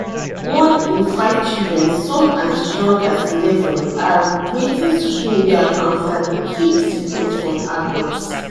One in five children - some as young as 11 - are creating social media accounts that they keep secret from adults.